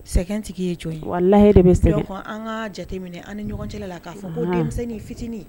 Sɛgɛtigi ye jɔn ye wala an ka jateminɛ an ni ɲɔgɔn cɛ la k'a fɔ bon denmisɛnnin fitinin